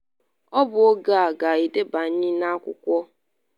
“Ọ bụ oge a ga-edebanye na akụkọ.”